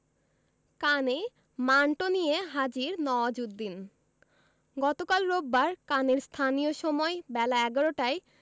কানে মান্টো নিয়ে হাজির নওয়াজুদ্দিন গতকাল রোববার কানের স্থানীয় সময় বেলা ১১টায়